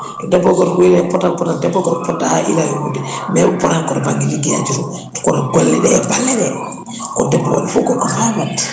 debbo e gorko wiide ne poota ne poota debbo e gorko potta ha ila yawmin dinne mais koto ɗum fotata koto banggue liggueyaji to kono golleɗe e balleɗe ko debbo waɗi fo gorko ne hani wadde